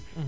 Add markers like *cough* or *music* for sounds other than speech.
*hesitation* *hesitation*